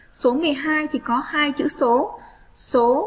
số thì có hai chữ số số